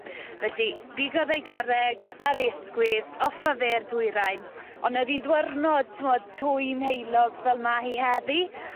Felly bigodd ei garreg ar ei ysgwydd off a fe i'r dwyrain on' o'dd hi ddwyrnod t'mod twym heulog fel ma' ddi heddi